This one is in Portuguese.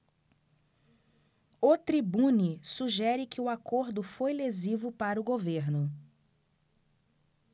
o tribune sugere que o acordo foi lesivo para o governo